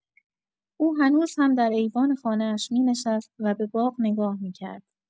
او هنوز هم در ایوان خانه‌اش می‌نشست و به باغ نگاه می‌کرد.